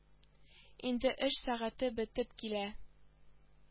Инде эш сәгате бетеп килә